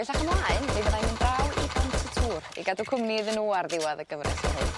Bellach ymlaen mi fyddai'n mynd draw i Bont y Tŵr i gadw cwmni iddyn n'w ar ddiwadd y gyfres fel hyn.